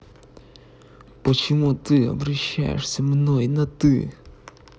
почему ты обращаешься мной на ты